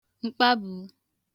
m̀kpabùu